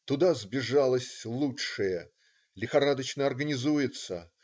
Туда сбежалось лучшее,- лихорадочно организуется.